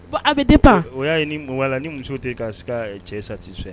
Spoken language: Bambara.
Bon a bɛ dépend o y'a ye ni mu voila ni muso tɛ seka cɛ satisfait